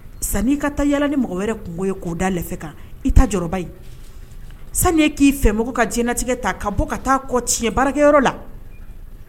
San i ka taa yaa ni mɔgɔ wɛrɛ kungo ye k' da kan i ta jɔba in sani ye k'i fɛ mago ka jɲɛnatigɛ ta ka bɔ ka taa kɔ tiɲɛbayɔrɔ la